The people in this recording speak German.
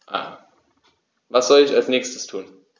Was soll ich als Nächstes tun?